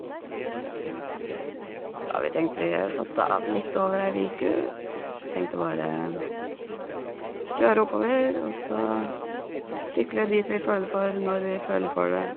da har vi tenkt Vi satte av litt over ei viku, og så har vi tenkt å bare kjøre oppover, og så sykle dit vi føler for når vi føler for det.